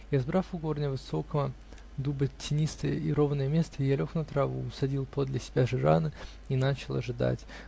Избрав у корня высокого дуба тенистое и ровное место, я лег на траву, усадил подле себя Жирана и начал ожидать.